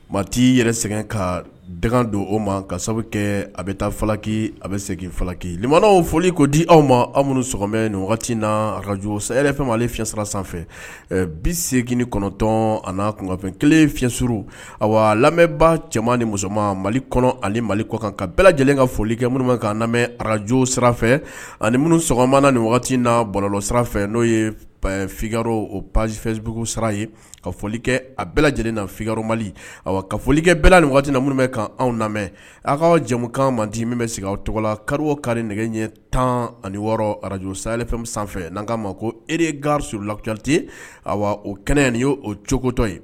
Maa t'i yɛrɛ sɛgɛn ka dɛ don o ma ka sababu kɛ a bɛ taafaki a bɛ seginfaki mana foli ko di aw ma aw minnumɛ nin na araj fɛma ale fisirara sanfɛ bi segine ni kɔnɔntɔn a kunkanfɛn kelen fi suru a lamɛnba cɛman ni musomanma mali kɔnɔ ani mali kɔ kan ka bɛɛ lajɛlen ka foli kɛ minnu lamɛn arajo sira ani minnuma nin wagati in na bɔlɔ sira n'o ye pa f o pasifɛbugu sara ye ka foli kɛ a bɛɛ lajɛlen na mali a ka folikɛ bɛɛla niina minnu anw lamɛn aw ka jamumukan man di min bɛ sigi aw tɔgɔ la kari kari nɛgɛ ɲɛ tan ani wɔɔrɔ arajo safɛn sanfɛ n'a k'a ma ko eree gari sulakucti a o kɛnɛ y ye oo cogokotɔ ye